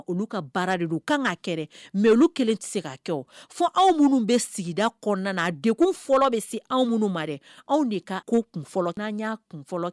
Anw minnu bɛ sigida kɔnɔna ko fɔlɔ bɛ se anw minnu ma anw de kofɔlɔ n kun